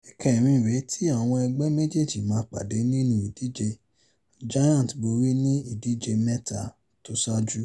Ẹ̀kẹ́rin rèé tí àwọn ẹgbẹ́ méjèèjì máa padà nínú ìdíje. Giants borí ní ìdíje mẹ́ta tó ṣáájú.